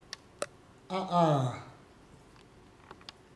ཨ ཨ